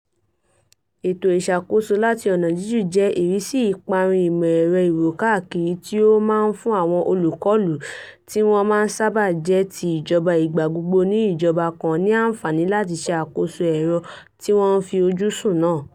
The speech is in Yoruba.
Ètò ìṣàkóso láti ọ̀nà jíjìn jẹ́ ìrísí ìparun ìmọ̀-ẹ̀rọ ìwòkáàkiri tí ó máa ń fún àwọn olùkọlù, tí wọ́n máa ń sábà jẹ́ ti ìjọba igbagbogbo ni ijọba kan, ní àǹfààní láti ṣe àkóso ẹ̀rọ tí wọ́n fi ojú sùn náà.